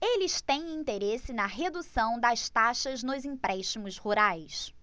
eles têm interesse na redução das taxas nos empréstimos rurais